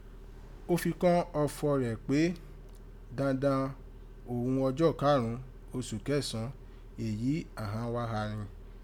Ó fi kọ́n ọfọ̀ rẹ̀ pé dandan òghun ọjọ́ karun, oṣu Kẹsan èyí àghan wa gha rin.